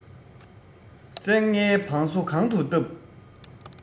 བཙན ལྔའི བང སོ གང དུ བཏབ